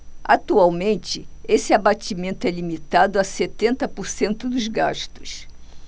atualmente esse abatimento é limitado a setenta por cento dos gastos